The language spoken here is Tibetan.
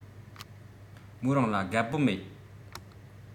མོ རང ལ དགའ པོ མེད